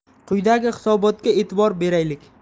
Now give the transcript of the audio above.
quyidagi hisobotga e'tibor beraylik